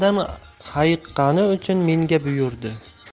uchun menga buyurdi